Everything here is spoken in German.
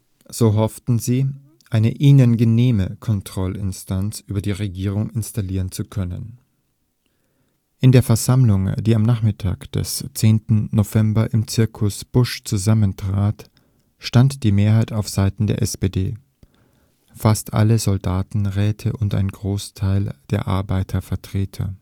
So hofften sie, eine ihnen genehme Kontrollinstanz über der Regierung installieren zu können. In der Versammlung, die am Nachmittag des 10. November im Circus Busch zusammentrat, stand die Mehrheit auf Seiten der SPD: fast alle Soldatenräte und ein Großteil der Arbeitervertreter